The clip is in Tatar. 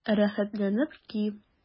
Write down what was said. Рәхәтләнеп ки!